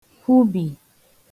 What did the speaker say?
kwubì